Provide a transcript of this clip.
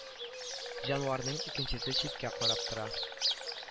Җанварның икенчесе читкә карап тора